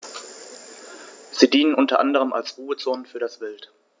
Sie dienen unter anderem als Ruhezonen für das Wild.